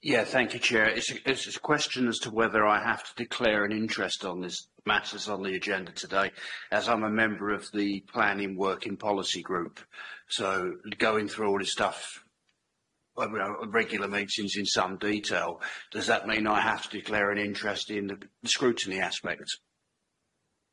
Ie thank you chair it's a it's a question as to whether I have to declare an interest on this, matters on the agenda today as I'm a member of the planning working policy group, so going through all this stuff well you know regular meetings in some detail does that mean I have to declare an interest in the scrutiny aspect?